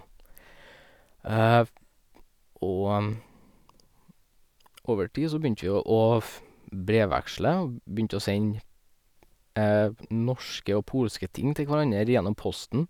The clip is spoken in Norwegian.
Og over tid så begynte vi å å f brevveksle, og begynte å sende norske og polske ting til hverandre gjennom posten.